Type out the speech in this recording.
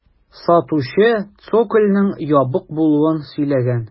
Сатучы цокольның ябык булуын сөйләгән.